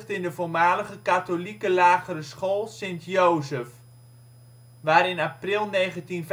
in de voormalige katholieke lagere school St, Joseph, waar in april 1945